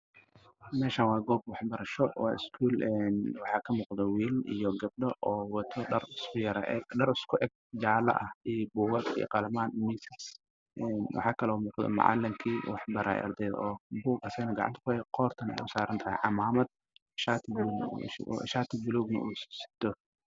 Meeshaan waa iskuul xaafaday arday waxay wataan dhar jaale ah waxaa dhex taagan macalin oo gacanta ku hayo